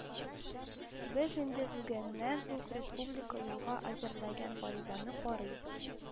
“без инде бүгеннән үк республика елга әзерләгән гаризаны карыйбыз